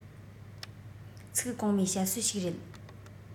ཚིག གོང མའི བཤད སྲོལ ཞིག རེད